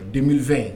2020